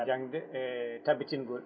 jangde e tabitingol